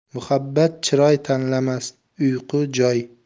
muhabbat chiroy tanlamas uyqu joy